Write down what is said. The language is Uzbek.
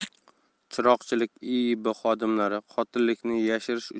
chiroqchilik iib xodimlari qotillikni yashirish